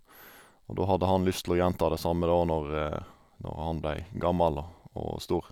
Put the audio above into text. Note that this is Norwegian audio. Og da hadde han lyst til å gjenta det samme, da, når når han blei gammel og og stor.